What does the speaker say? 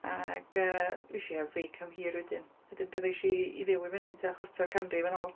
Ac yy, fues i ar feic am hir wedyn. Wedyn pan ddoes i i fyw i fan hyn tua chwarter canrif yn ôl...